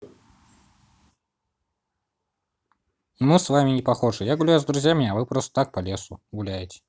мы с вами не похожи я гуляю с друзьями а вы просто так по лесу гуляйте